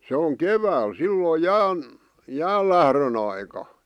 se on keväällä silloin jään jäänlähdön aikaan